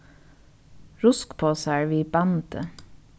ruskposar við bandi